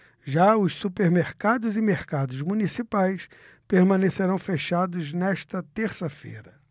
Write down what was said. já os supermercados e mercados municipais permanecerão fechados nesta terça-feira